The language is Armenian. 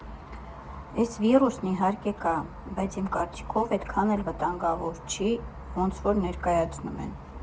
Էս վիրուսն իհարկե կա, բայց իմ կարծիքով էնքան էլ վտանգավոր չի, ոնց որ ներկայացնում են։